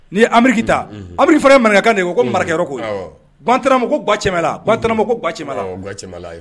N'i ye. Ameriki ta , Ameriki fana ye M anikakan de ye ko a mara kɛyɔrɔ koyi, ɔnhɔn , ko Guantanamo ko Bacɛmalayi ko Bacɛmalayi